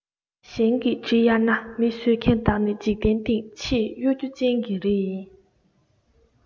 གཞན གྱི གྲི གཡར ན མི གསོད མཁན དག ནི འཇིག རྟེན སྟེང ཆེས གཡོ སྒྱུ ཅན གྱི རིགས ཡིན